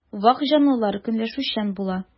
Вак җанлылар көнләшүчән була.